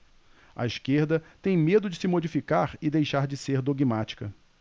a esquerda tem medo de se modificar e deixar de ser dogmática